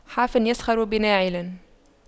حافٍ يسخر بناعل